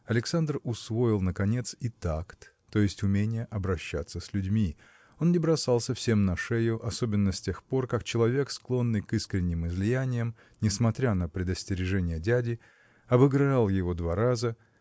Александр усвоил наконец и такт, то есть уменье обращаться с людьми. Он не бросался всем на шею особенно с тех пор как человек склонный к искренним излияниям несмотря на предостережение дяди обыграл его два раза